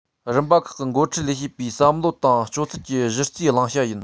རིམ པ ཁག གི འགོ ཁྲིད ལས བྱེད པའི བསམ བློ དང སྤྱོད ཚུལ གྱི གཞི རྩའི བླང བྱ ཡིན